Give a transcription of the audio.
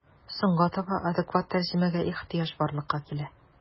Соңга таба адекват тәрҗемәгә ихҗыяҗ барлыкка килә.